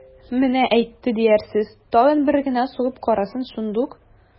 Менә әйтте диярсез, тагын бер генә сугып карасын, шундук...